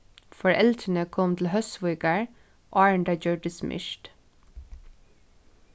foreldrini komu til hósvíkar áðrenn tað gjørdist myrkt